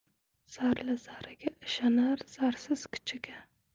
zarli zariga ishonar zarsiz kuchiga